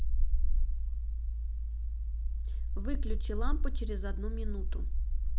выключи лампу через одну минуту